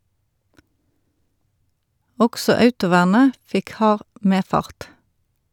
Også autovernet fikk hard medfart.